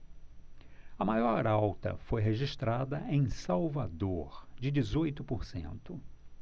a maior alta foi registrada em salvador de dezoito por cento